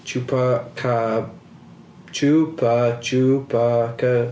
Chupacab Chupa Chupaca...